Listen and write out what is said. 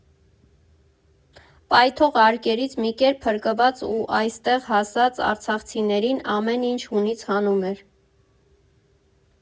Պայթող արկերից մի կերպ փրկված ու այստեղ հասած արցախցիներին ամեն ինչ հունից հանում էր։